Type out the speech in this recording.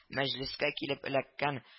Мәҗлескә килеп эләккән